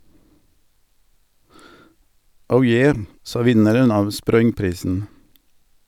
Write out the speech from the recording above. Oh yeah, sa vinneren av Sproingprisen.